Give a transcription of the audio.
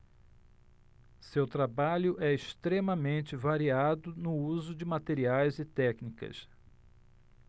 seu trabalho é extremamente variado no uso de materiais e técnicas